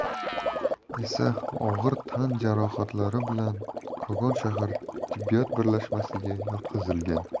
esa og'ir tan jarohatlari bilan kogon shahar tibbiyot birlashmasiga yotqizilgan